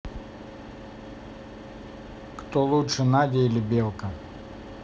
кто лучше надя или белка